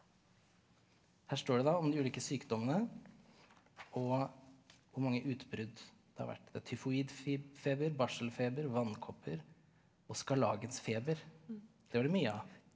her står det da om de ulike sykdommene og hvor mange utbrudd det har vært det er tyfoidfeber, barselfeber, vannkopper og skarlagensfeber, det var det mye av.